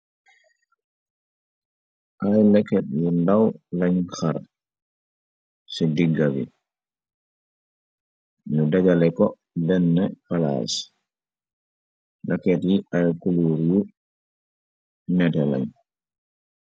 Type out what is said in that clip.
ay laket yu ndaw lañ xar ci digga bi nu dajale ko denne palaage lakket yi ay kuluur yu nete lañ.